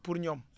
pour ñoom